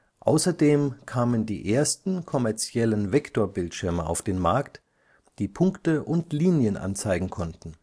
Außerdem kamen die ersten kommerziellen Vektorbildschirme auf den Markt, die Punkte und Linien anzeigen konnten